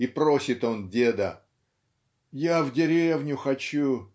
и просит он деда: "Я в деревню хочу.